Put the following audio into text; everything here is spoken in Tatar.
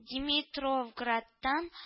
Димитровградтан